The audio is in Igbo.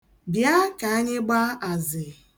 Bịa ka anyị gbaa azị.